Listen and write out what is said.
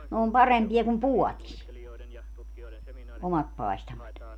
ne on parempia kuin puodissa omat paistamat